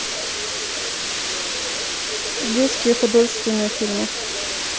детские художественные фильмы